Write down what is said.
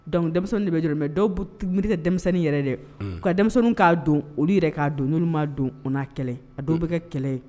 Donc denmisɛnninw de bi jɔrɛ . Mais dɔw miiri tɛ denmisɛnninw yɛrɛ ye dɛ. U ka denmisɛnninw ka don , olu yɛrɛ ka don. Nolu ma don a bi kɛ kɛlɛ ye a dun bi kɛ kɛlɛ ye.